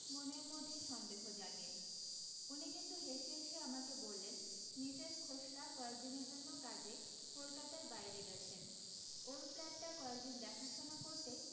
মনের মধ্যে সন্দেহ জাগে উনি কিন্তু হেসে হেসে আমাকে বললেন মিসেস খোসলা কয়েকদিনের জন্য কাজে কলকাতার বাইরে গেছেন ওর ফ্ল্যাটটা কয়েকদিন দেখাশোনা করতেই